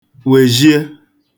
wezhie